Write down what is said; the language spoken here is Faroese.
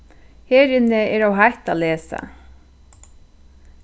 her inni er ov heitt at lesa